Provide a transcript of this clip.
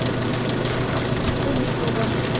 Унөч тулды.